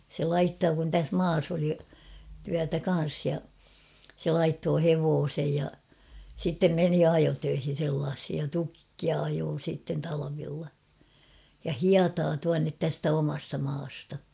se laittoi kun tässä maassa oli työtä kanssa ja se laittoi hevosen ja sitten meni ajotöihin sellaisiin ja tukkia ajoi sitten talvella ja hietaa tuonne tästä omasta maasta